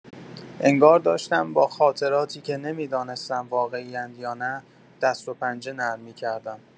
انگار داشتم با خاطراتی که نمی‌دانستم واقعی‌اند یا نه، دست‌وپنجه نرم می‌کردم.